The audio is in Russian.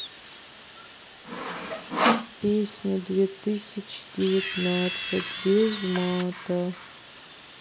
песни две тысячи девятнадцать без мата